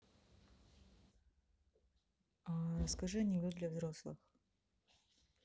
расскажи анекдот для взрослых